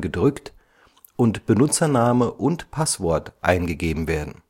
gedrückt und Benutzername und Passwort eingegeben werden.